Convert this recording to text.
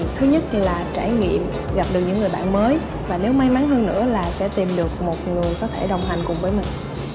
thứ nhất là trải nghiệm gặp được những người bạn mới và nếu may mắn hơn nữa là sẽ tìm được một người có thể đồng hành cùng với mình